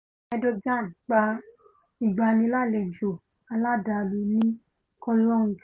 Erdogan gba ìgbanilálejò aládàlú ní Cologne